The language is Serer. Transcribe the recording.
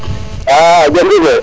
a Dione sime